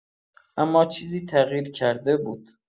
اما چیزی تغییر کرده بود.